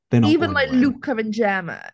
They're not going anywhere. ...Even like Luca and Gemma.